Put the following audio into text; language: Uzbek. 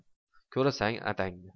ko'rasan adangni